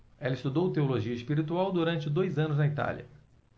ela estudou teologia espiritual durante dois anos na itália